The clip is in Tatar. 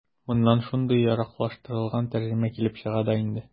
Моннан шундый яраклаштырылган тәрҗемә килеп чыга да инде.